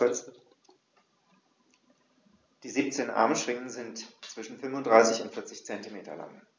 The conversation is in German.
Die 17 Armschwingen sind zwischen 35 und 40 cm lang.